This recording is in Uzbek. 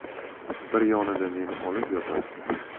bir yonida meni olib yotardi